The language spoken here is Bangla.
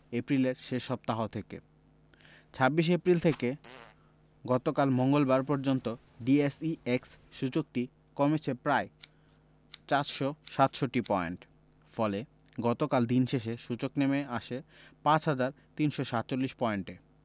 এপ্রিলের শেষ সপ্তাহ থেকে ২৬ এপ্রিল থেকে গতকাল মঙ্গলবার পর্যন্ত ডিএসইএক্স সূচকটি কমেছে প্রায় ৪৬৭ পয়েন্ট ফলে গতকাল দিন শেষে সূচক নেমে আসে ৫ হাজার ৩৪৭ পয়েন্টে